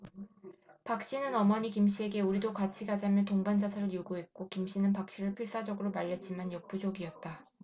박씨는 어머니 김씨에게 우리도 같이 가자며 동반 자살을 요구했고 김씨는 박씨를 필사적으로 말렸지만 역부족이었다